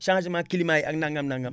changement climat yi ak nangam nangam